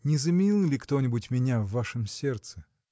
не заменил ли кто-нибудь меня в вашем сердце?.